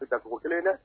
I taacogo kelen dɛ